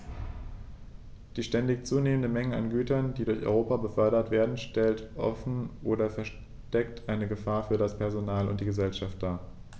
Die ständig zunehmende Menge an Gütern, die durch Europa befördert werden, stellt offen oder versteckt eine Gefahr für das Personal und die Gesellschaft dar.